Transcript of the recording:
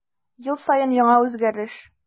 Ел саен яңа үзгәреш.